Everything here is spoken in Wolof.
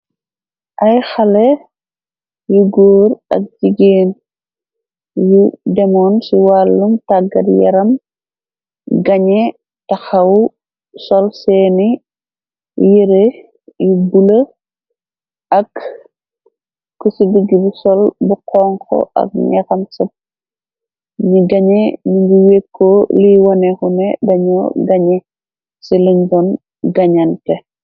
Ay xale yu góor ak jigeen yu demoon ci wàllum tàggat yaram gañe taxaw sol seeni yere yu bulë ak ku ci diggi bi sol bu xonxo ak nyexam sëb ni gañe ningu wekkoo li wanexune dañu gañe ci lindoon gañante.